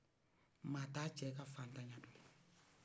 maa ta cɛ ka fantaya dɔ